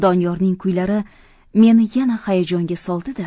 doniyorning kuylari meni yana hayajonga soldi da